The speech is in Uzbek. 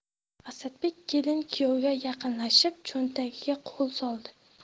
asadbek kelin kuyovga yaqinlashib cho'ntagiga qo'l soldi